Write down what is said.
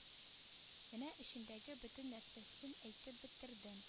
Менә эчендәге бөтен нәрсәсен әйтеп бетерде